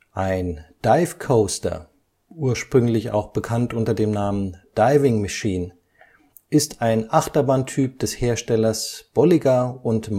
Ein Dive Coaster (ursprünglich bekannt unter dem Namen Diving Machine) ist ein Achterbahntyp des Herstellers Bolliger &